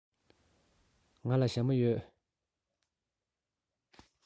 ང ལ ཞྭ མོ ཡོད